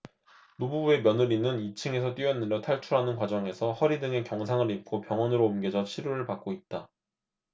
노부부의 며느리는 이 층에서 뛰어내려 탈출하는 과정에서 허리 등에 경상을 입고 병원으로 옮겨져 치료를 받고 있다